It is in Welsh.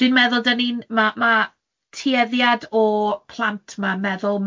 ...dwi'n meddwl 'dan ni'n ma' ma' tueddiad o plant ma'n meddwl